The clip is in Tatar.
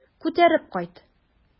Күтәреп кайт.